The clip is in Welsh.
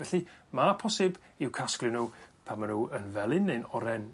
Felly ma' posib i'w casglu n'w pan ma' n'w yn felyn ne'n oren